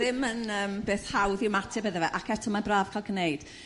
Ddim yn yrm beth hawdd i ymateb iddo fe ac eto ma'n braf cael g'neud.